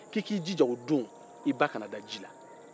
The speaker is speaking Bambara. k'i k'i jija o don i ba kana da ji la